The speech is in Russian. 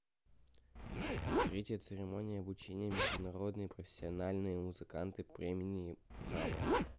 третья церемония обучения международные профессиональные музыкальные премии браво